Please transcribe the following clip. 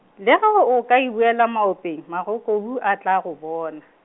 le ge o ka buela maopeng, magokobu a tla go bona.